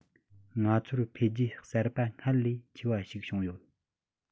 ང ཚོར འཕེལ རྒྱས གསར པ སྔར ལས ཆེ བ ཞིག བྱུང ཡོད